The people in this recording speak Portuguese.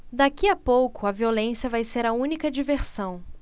daqui a pouco a violência vai ser a única diversão